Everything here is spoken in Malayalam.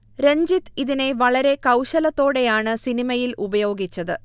രഞ്ജിത് ഇതിനെ വളരെ കൗശലത്തോടെയാണ് സിനിമയിൽ ഉപയോഗിച്ചത്